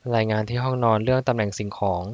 รายงานที่ห้องนอนเรื่องตำแหน่งสิ่งของ